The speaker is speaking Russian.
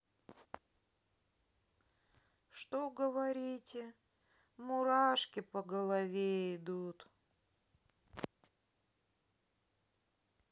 что поговорите мурашки по голове идут